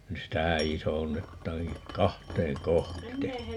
nyt sitä isonnetaankin kahteen -